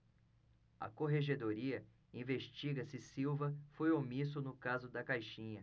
a corregedoria investiga se silva foi omisso no caso da caixinha